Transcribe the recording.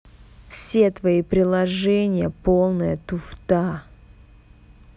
все твои приложение полная туфта